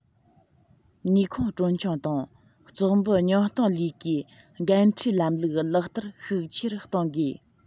ནུས ཁུངས གྲོན ཆུང དང བཙོག འབུད ཉུང གཏོང ལས ཀའི འགན འཁྲིའི ལམ ལུགས ལག ལེན བསྟར ཤུགས ཆེ རུ གཏོང དགོས